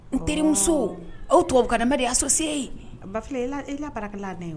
N terimuso, o tubabu kan na ma de ye associer ye, Bafilɛ, i ka baarakɛlaw ye ne ye o